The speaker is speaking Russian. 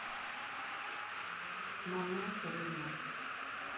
манас рынок